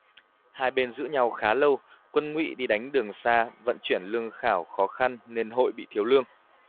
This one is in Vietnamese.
hai bên giữ nhau khá lâu quân ngụy đi đánh đường xa vận chuyển lương thảo khó khăn nên hội bị thiếu lương